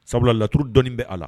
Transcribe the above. Sabula laturudɔn bɛ a la